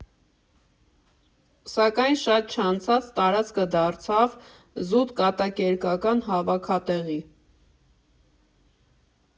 Սակայն շատ չանցած տարածքը դարձավ զուտ կատակերգական հավաքատեղի։